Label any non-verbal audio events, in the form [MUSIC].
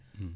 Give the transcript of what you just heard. [HESITATION]